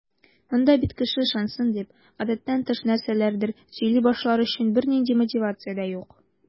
Монда бит кеше ышансын дип, гадәттән тыш нәрсәләрдер сөйли башлар өчен бернинди мотивация дә юк.